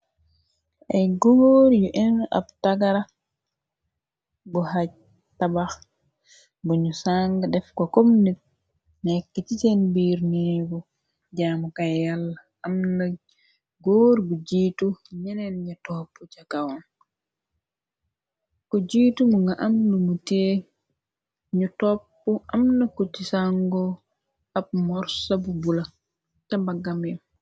Ay góor yu inne ab tagara bu haj tabax buñu sàng def ko komnit nekk ci seen biir neebu jaamu kay yàll amna góor bu jiitu ñeneen ña topp ca kaom ko jiitu mu nga am numu tee ñu topp amna ko ci sàngo ab morsa bu bula ca baggamem.